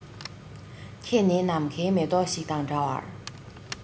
ཁྱེད ནི ནམ མཁའི མེ ཏོག ཞིག དང འདྲ བར